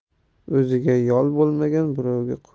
o'ziga yol bo'lmagan